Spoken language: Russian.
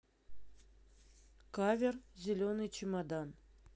кавер зеленый чемодан